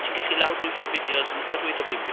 Ti'n gallu lawrlwytho fideos yn itha rhwydd o Vimeo.